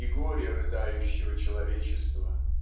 и горе рыдающего человечества